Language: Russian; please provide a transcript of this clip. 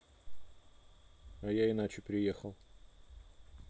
а я иначе приехал